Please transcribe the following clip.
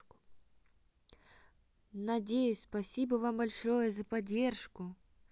надеюсь спасибо вам большое за поддержку